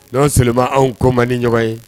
Ɲɔ selenlima anw kɔ man ni ɲɔgɔn ye